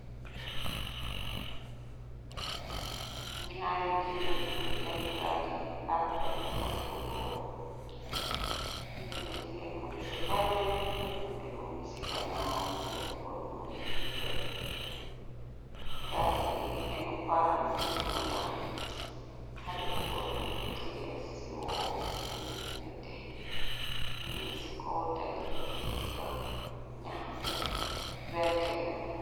ñaari jigeen buy dem gaadin ak bnni xalibu goor benn jigéen mu ngi ci kaneem benn bi mu ngi ci kanaaw xali bu góor bi muy ci jigér bi gaay ni ngi enu paan bu bula xali bu góor bi mu ngi tie siwoo buy nete ni ngi ci kow talibi di dox ñax bu werte mu ngi fu.